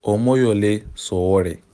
Omoyole Sowore